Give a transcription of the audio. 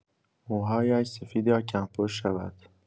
موهایش سفید یا کم‌پشت شود.